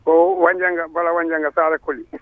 ko Wandiagua Bala Wadianga Sara Coly